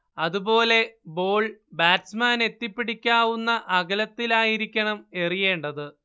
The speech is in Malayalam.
അതുപോലെ ബോൾ ബാറ്റ്സ്മാന് എത്തിപ്പിടിക്കാവുന്ന അകലത്തിലായിരിക്കണം എറിയേണ്ടത്